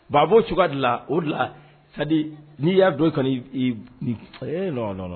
Baabɔ cogoya dilan o dilan halidi n'i y'a dɔn ka a nɔn nɔ